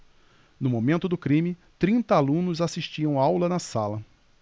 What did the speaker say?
no momento do crime trinta alunos assistiam aula na sala